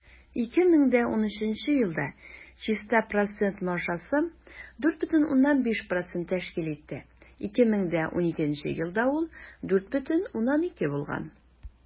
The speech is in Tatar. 2013 елда чиста процент маржасы 4,5 % тәшкил итте, 2012 елда ул 4,2 % булган.